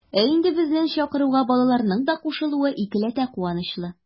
Ә инде безнең чакыруга балаларның да кушылуы икеләтә куанычлы.